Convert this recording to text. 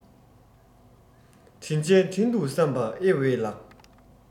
དྲིན ཅན དྲིན དུ བསམས པ ཨེ ཝེས ལགས